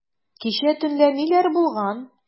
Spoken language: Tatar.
Кичә төнлә ниләр булган?